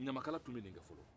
ɲamakala tun bɛ nin kɛ fɔlɔ